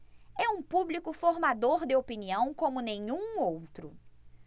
é um público formador de opinião como nenhum outro